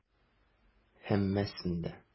Һәммәсен дә.